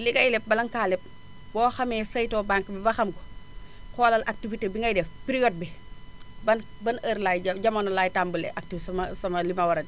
li ngay leb bala nga kaa leb boo xamee saytoo banque bi ba xam ko xoolal activité bi ngay def période bi ban ban heure laay jël jamono laay tàmbalee acti sa ma sa ma li ma war a def